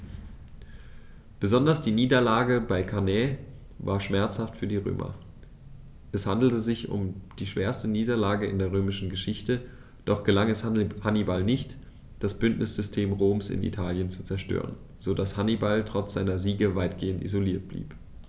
Besonders die Niederlage bei Cannae war schmerzhaft für die Römer: Es handelte sich um die schwerste Niederlage in der römischen Geschichte, doch gelang es Hannibal nicht, das Bündnissystem Roms in Italien zu zerstören, sodass Hannibal trotz seiner Siege weitgehend isoliert blieb.